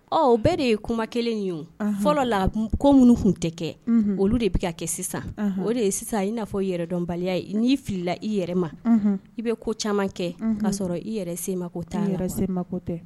Ɔ o bɛɛ de ye kuma kelen ye fɔlɔ la ko minnu tun tɛ kɛ olu de bɛ kɛ sisan o de ye sisan i n'a fɔ yɛrɛdɔnbaliya ye n''i filila i yɛrɛ ma i bɛ ko caman kɛ k ka sɔrɔ i yɛrɛ se ma taa se ma tɛ